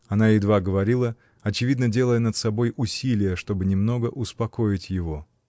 Она едва говорила, очевидно делая над собой усилие, чтобы немного успокоить его.